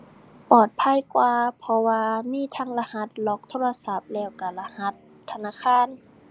ปลอดภัยกว่าเพราะว่ามีทั้งรหัสล็อกโทรศัพท์แล้วก็รหัสธนาคาร